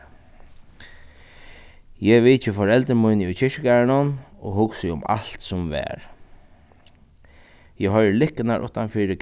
eg vitji foreldur míni í kirkjugarðinum og hugsi um alt sum var eg hoyri likkurnar uttan fyri